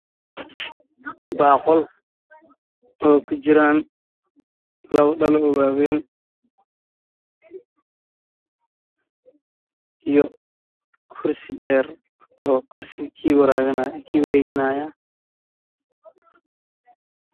Halkan waxaa iga muuqda computerna ay eg yaallaan